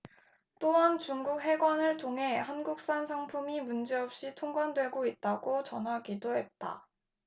또한 중국 해관을 통해 한국산 상품이 문제없이 통관되고 있다고 전하기도 했다